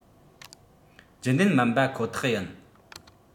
རྒྱུན ལྡན མིན པ ཁོ ཐག ཡིན